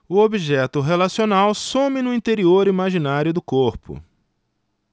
o objeto relacional some no interior imaginário do corpo